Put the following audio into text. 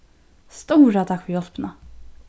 stóra takk fyri hjálpina